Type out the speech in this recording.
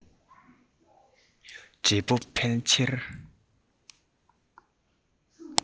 བགྲེས པོ ཕལ ཆེར